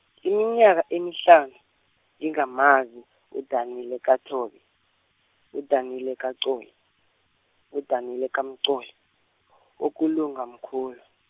iminyaka emihlanu, ngingamazi, uDanile kaThobi, uDanile kaXoli, uDanile kaMxoli, okulunga mkhulu.